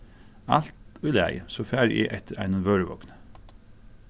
alt í lagi so fari eg eftir einum vøruvogni